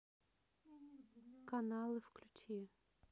каналы включи